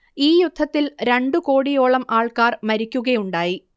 ഈ യുദ്ധത്തിൽ രണ്ടു കോടിയോളം ആൾക്കാർ മരിക്കുകയുണ്ടായി